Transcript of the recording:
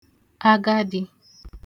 agadị̄